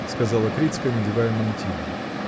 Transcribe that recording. — сказала Крицкая, надевая мантилью.